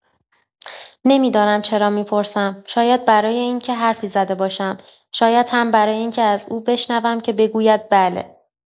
نمی‌دانم چرا می‌پرسم، شاید برای این‌که حرفی زده باشم، شاید هم برای این‌که از او بشنوم که بگوید بله!